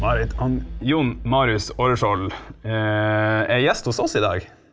Marit han Jon Marius Aareskjold er gjest hos oss i dag.